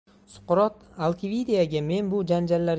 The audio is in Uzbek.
suqrot alkiviadga men bu janjallarga